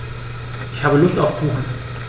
Ich habe Lust auf Kuchen.